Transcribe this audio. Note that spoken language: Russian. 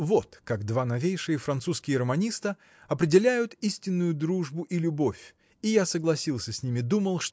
– Вот как два новейших французских романиста определяют истинную дружбу и любовь и я согласился с ними думал